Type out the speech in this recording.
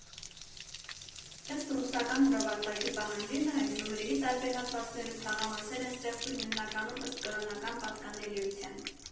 Ըստ ռուսական հրովարտակի պահանջի՝ նրանք Գյումրիի տարբեր հատվածներում թաղամասեր են ստեղծում՝ հիմնականում ըստ կրոնական պատկանելիության։